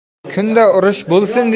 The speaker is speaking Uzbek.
kunda urush bo'lsin